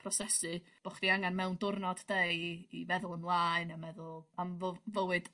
prosesu bo' chdi angan mewn diwrnod 'de i i i feddwl ymlaen a meddwl am fy- fywyd